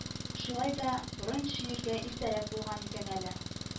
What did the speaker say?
Шулай да борын чөергә иртәрәк булган икән әле